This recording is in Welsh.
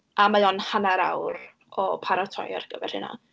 A mae o'n hanner awr o paratoi ar gyfer hynna.